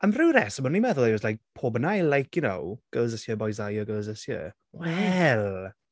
Am ryw reswm, o'n i'n meddwl it was like, pob yn ail, like, you know? Girls this year, boys that year, girls this year. Wel.